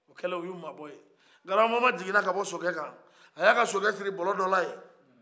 o kɛlen u ye mabɔ grabamama jiginna ka bɔ sokɛ kan a ye a ka sokɛ siri bɔlɔ dɔ la ye